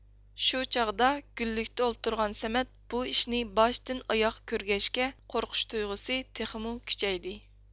شۇ چاغدا گۈللۈكتە ئولتۇرغان سەمەت بۇ ئىشنى باشتىن ئاياغ كۆرگەچكە قورقۇش تۇيغۇسى تېخىمۇ كۈچەيدى